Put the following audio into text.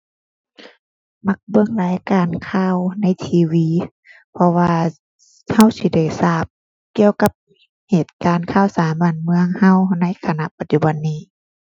มักเบิ่งรายการข่าวใน TV เพราะว่า เราสิได้ทราบเกี่ยวกับเหตุการณ์ข่าวสารบ้านเมืองเราในขณะปัจจุบันนี้